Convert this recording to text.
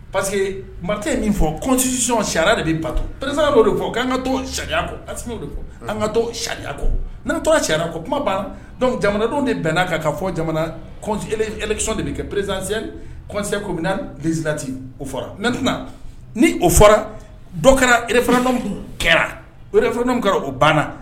Parce que mamatɛ ye min fɔsisɔnɔn sariyara de bɛ bato perezra dɔw de fɔ k' ka to sariya kɔ fɔ an ka to sariya kɔ n' tora caya ko kuma ban jamanadenw de bɛnna kan ka fɔ jamanasi kelensɔn de bɛ kɛ perezsɛse ko bɛzti o fɔra n ne tɛna ni o fɔra dɔ kɛra er fana kɛra kɛra o banna